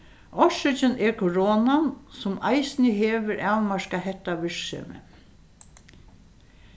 orsøkin er koronan sum eisini hevur avmarkað hetta virksemið